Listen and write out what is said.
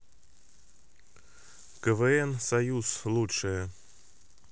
квн союз лучшее